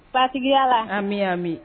Batigiya la anmi yanmi